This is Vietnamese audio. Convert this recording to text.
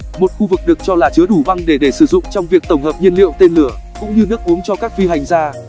một khu vực được cho là chứa đủ băng để để sử dụng trong việc tổng hợp nhiên liệu tên lửa cũng như nước uống cho các phi hành gia